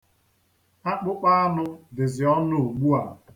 Akpụkpọ anụ dizi ọnụ ugbua.